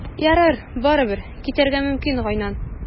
Ярар, барыбер, китәргә мөмкин, Гайнан.